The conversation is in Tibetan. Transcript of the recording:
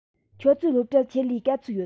ཁྱོད ཚོའི སློབ གྲྭར ཆེད ལས ག ཚོད ཡོད